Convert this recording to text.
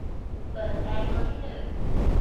เปิดแอร์ตัวที่หนึ่ง